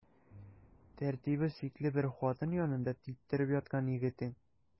Тәртибе шикле бер хатын янында типтереп яткан егетең.